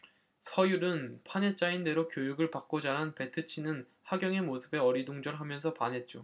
서율은 판에 짜인 대로 교육을 받고 자라 배트 치는 하경의 모습에 어리둥절 하면서 반했죠